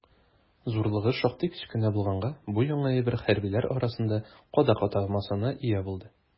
Зурлыгы шактый кечкенә булганга, бу яңа әйбер хәрбиләр арасында «кадак» атамасына ия булды.